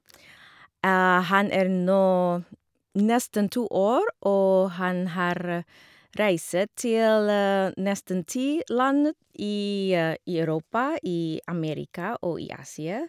Han er nå nesten to år, og han har reise til nesten ti land i i Europa, i Amerika og i Asia.